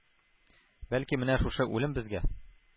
Бәлки, менә шушы үлем безгә